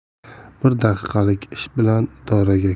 bir daqiqalik ish bilan idoraga